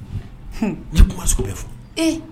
N ye kumaso bɛ fɔ